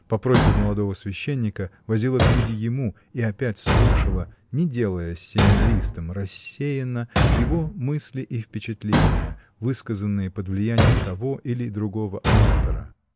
По просьбе молодого священника, возила книги ему и опять слушала, не делаясь семинаристом, рассеянно, его мысли и впечатления, высказанные под влиянием того или другого автора.